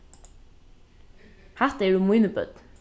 hatta eru míni børn